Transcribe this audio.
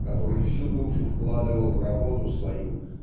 который всю душу вкладывал в работу свою